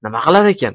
nima qilar ekan